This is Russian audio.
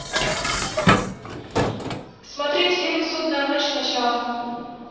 посмотреть фильм судная ночь начало